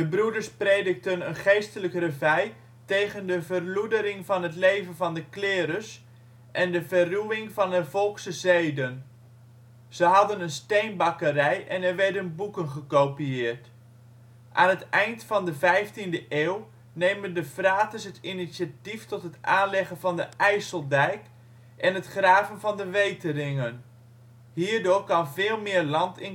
broeders predikten een geestelijk reveil tegen de verloedering van het leven van de clerus en de verruwing van de volkse zeden, ze hadden een steenbakkerij en er werden boeken gekopieerd. Aan het eind van de 15e eeuw nemen de fraters het initiatief tot het aanleggen van de IJsseldijk en het graven van de weteringen, hierdoor kan veel meer land